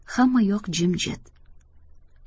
hammayoq jimjit